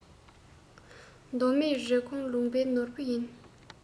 མདོ སྨད རེབ གོང ལུང པའི ནོར བུ ཡིན